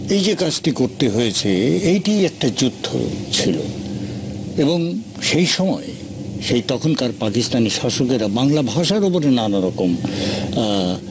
এই যে কাজটি করতে হয়েছে এটি একটা যুদ্ধ ছিল এবং সে সময় সেই তখনকার পাকিস্তানি শাসকেরা বাংলা ভাষার উপরে নানা রকম